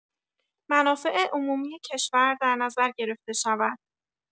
منافع عمومی کشور در نظر گرفته شود.